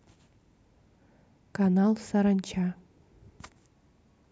канал саранча